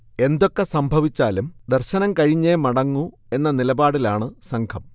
എന്തൊക്കെ സംഭവിച്ചാലും ദർശനം കഴിഞ്ഞേമടങ്ങൂ എന്ന നിലപാടിലാണ് സംഘം